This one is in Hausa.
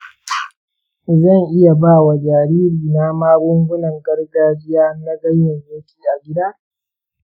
zan iya ba wa jaririna magungunan gargajiya na ganyayyaki a gida?